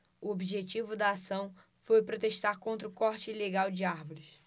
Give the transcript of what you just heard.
o objetivo da ação foi protestar contra o corte ilegal de árvores